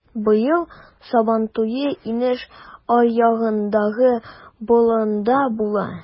Быел Сабантуе инеш аръягындагы болында була.